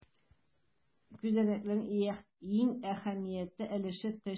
Күзәнәкнең иң әһәмиятле өлеше - төш.